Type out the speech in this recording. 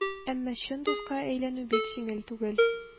Әмма чын дуска әйләнү бик җиңел түгел.